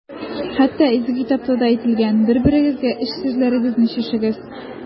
Хәтта Изге китапта да әйтелгән: «Бер-берегезгә эч серләрегезне чишегез».